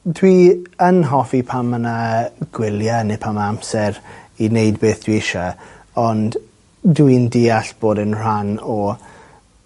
Dwi yn hoffi pan ma' 'na gwylie ne' pan ma' amser i neud beth dwi isie ond dwi'n deall bod e'n rhan o